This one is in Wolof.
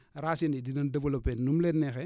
racines yi dinañ développer ni mu leen neexee